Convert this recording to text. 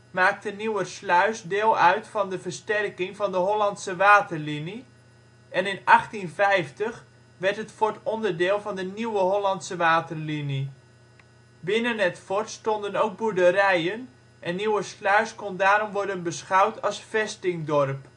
maakte Nieuwersluis deel uit van de versterking van de Hollandse Waterlinie en in 1850 werd het fort onderdeel van de Nieuwe Hollandse Waterlinie. Binnen het fort stonden ook boerderijen en Nieuwersluis kon daarom worden beschouwd als vestingdorp